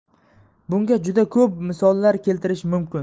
bunga juda ko'p misollar keltirish mumkin